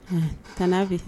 Tana bɛ ye.